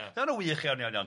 ma' hwnna'n wych iawn iawn iawn.